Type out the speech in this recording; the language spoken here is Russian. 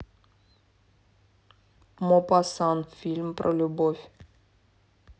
мопассан фильм про любовь